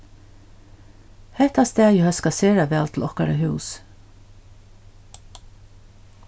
hetta staðið hóskar sera væl til okkara hús